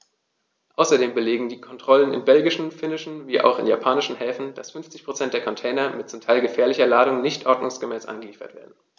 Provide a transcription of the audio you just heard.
Außerdem belegen Kontrollen in belgischen, finnischen wie auch in japanischen Häfen, dass 50 % der Container mit zum Teil gefährlicher Ladung nicht ordnungsgemäß angeliefert werden.